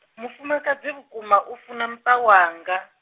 mufumakadzi vhukuma u funa muṱa wanga.